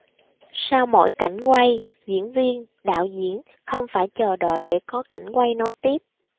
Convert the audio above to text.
sau mỗi cảnh quay diễn viên đạo diễn không phải chờ đợi để có cảnh quay nối tiếp